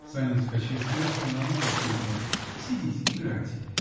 Санин вскочил с места, но она воскликнула:-- Сидите играйте.